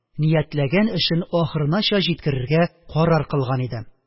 Ниятләгән эшен ахырынача җиткерергә карар кылган иде